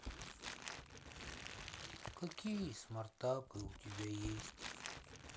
какие смартапы у тебя есть